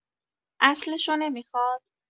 اصلش نمیخاد؟